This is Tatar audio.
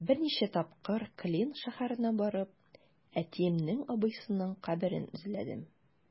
Берничә тапкыр Клин шәһәренә барып, әтиемнең абыйсының каберен эзләдем.